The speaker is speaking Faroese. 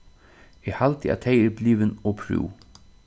eg haldi at tey eru blivin ov prúð